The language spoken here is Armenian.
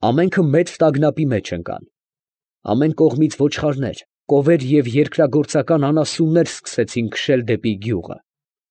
Ամենքը մեծ տագնապի մեջ ընկան։ Ամեն կողմից ոչխարներ, կովեր և երկրագործական անասուններ սկսեցին քշել դեպի գյուղը։